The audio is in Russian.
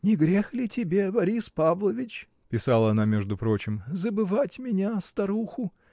Не грех ли тебе, Борис Павлович, — писала она между прочим, — забывать меня, старуху?